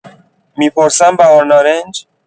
می‌پرسم بهارنارنج؟